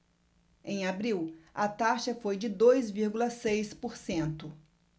em abril a taxa foi de dois vírgula seis por cento